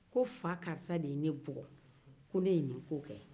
ko fa karisa de ye ne bugɔ ko ne ye nin ko kɛ